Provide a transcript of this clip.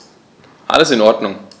Alles in Ordnung.